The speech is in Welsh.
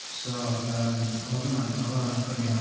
So yym oedd hwnna'n oedd hwnna'n ffyni iawn.